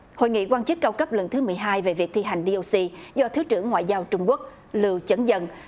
hội nghị quan chức cao cấp lần thứ mười hai về việc thi hành đi ô xi do thứ trưởng ngoại giao trung quốc lưu chấn dân